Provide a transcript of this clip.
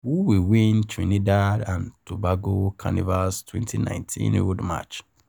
Who will win Trinidad & Tobago Carnival's 2019 Road March?